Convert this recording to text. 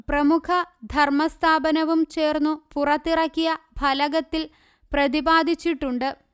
പ്രമുഖ ധർമ്മസ്ഥാപനവും ചേർന്നു പുറത്തിറക്കിയ ഫലകത്തിൽ പ്രതിപാദിച്ചിട്ടുണ്ട്